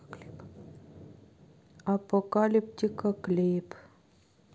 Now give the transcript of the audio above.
апокалиптика клип